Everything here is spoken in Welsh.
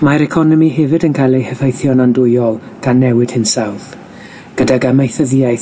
Mae'r economi hefyd yn cael ei heffeithio'n andwyol gan newid hinsawdd, gydag amaethyddiaeth,